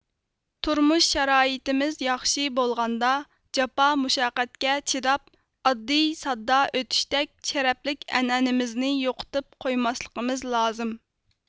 تۇرمۇش شارائىتىمىز ياخشى بولغاندا جاپا مۇشەققەتكە چىداپ ئاددىي ساددا ئۆتۈشتەك شەرەپلىك ئەنئەنىمىزنى يوقىتىپ قويماسلىقىمىز لازىم